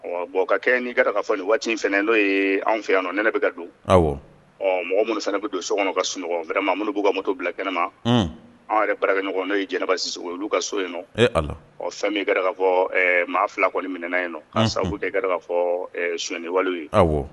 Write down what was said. Ɔ bɔn ka kɛ n'i ka ka fɔ nin waati in fana n'o ye anw fɛ yan nɔ ne bɛ ka don ɔ mɔgɔ minnu fana bɛ don so kɔnɔ ka sunɔgɔ wɛrɛ mamu b'u kato bila kɛnɛma anw yɛrɛkɛ ɲɔgɔn n'o ye jɛnɛba si ka so yen fɛn min kɛra fɔ maa fila kɔni minɛnɛna yen nɔ sabu fɔ son wali ye